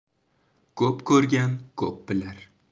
ko'p ko'rgan ko'p bilar